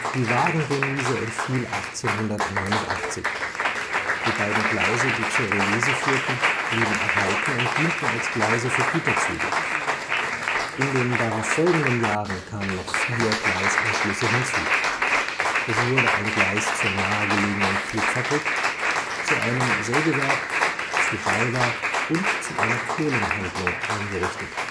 Die Wagenremise entfiel 1889, die beiden Gleise, die zur Remise führten, blieben erhalten und dienten als Gleise für Güterzüge. In den darauf folgenden Jahren kamen noch vier Gleisanschlüsse hinzu. Es wurde ein Gleis zur nahe gelegenen Pflugfabrik, zu einem Sägewerk, zu BayWa und zu einer Kohlenhandlung eingerichtet